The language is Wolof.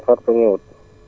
waa alxamdililaa